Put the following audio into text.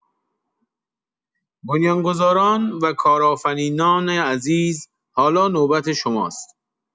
بنیان‌گذاران و کارآفرینان عزیز، حالا نوبت شماست.